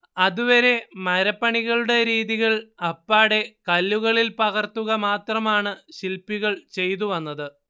അത് വരെ മരപ്പണികളുടെ രീതികള്‍ അപ്പാടെ കല്ലുകളില്‍ പകര്‍ത്തുക മാത്രമാണു ശില്പികള്‍ ചെയ്തുവന്നത്